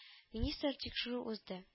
Министр тикшерү узды